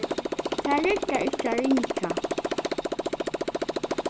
tað riggar ikki at ringja